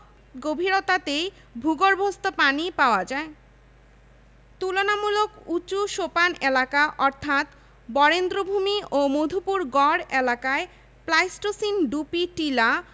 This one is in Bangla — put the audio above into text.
২৭টি মার্চেন্ট ব্যাংকার ৫৫৬টি মানি চেঞ্জার ২টি stock exchange Dhaka stock exchange এবং চট্টগ্রাম স্টক এক্সচেঞ্জ